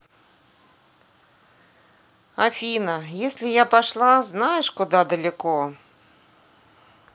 афина если я пошла знаешь куда далеко